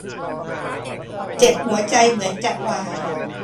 เจ็บหัวใจเหมือนจะวาย